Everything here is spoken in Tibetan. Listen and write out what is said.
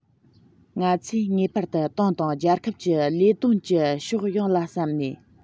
ང ཚོས ངེས པར དུ ཏང དང རྒྱལ ཁབ ཀྱི ལས དོན གྱི ཕྱོགས ཡོངས ལ བསམ ནས